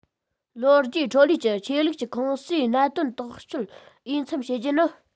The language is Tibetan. ལོ རྒྱུས འཕྲོ ལུས ཀྱི ཆོས ལུགས ཀྱི ཁང སའི གནད དོན ཐག གཅོད འོས འཚམ བྱེད རྒྱུ ནི